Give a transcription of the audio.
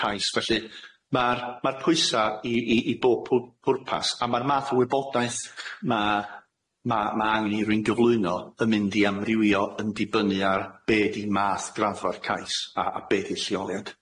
cais felly ma'r ma'r pwysa i i i bob pw- pwrpas a ma'r math o wybodaeth ma' ma' ma' angen i rywun gyflwyno yn mynd i amrywio yn dibynnu ar be' di math graddfa'r cais a a be' di lleoliad.